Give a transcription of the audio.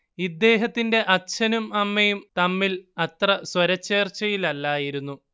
ഇദ്ദേഹത്തിന്റെ അച്ഛനും അമ്മയും തമ്മിൽ അത്ര സ്വരചേർച്ചയിലല്ലായിരുന്നു